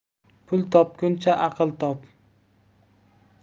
pul topguncha aql top